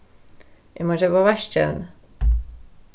eg má keypa vaskievni